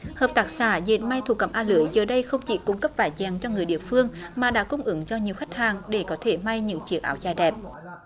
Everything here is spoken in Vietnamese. hợp tác xã dệt may thổ cẩm a lưới giờ đây không chỉ cung cấp vải giàng cho người địa phương mà đã cung ứng cho nhiều khách hàng để có thể may những chiếc áo dài đẹp